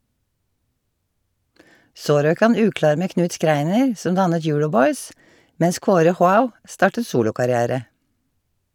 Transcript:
Så røk han uklar med Knut Schreiner, som dannet Euroboys, mens Kåre Joao startet solokarriere.